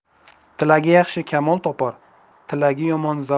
tilagi yaxshi kamol topar tilagi yomon zavol